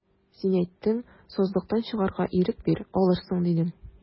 Син әйттең, сазлыктан чыгарга ирек бир, алырсың, дидең.